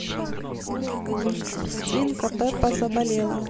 свинка пеппа заболела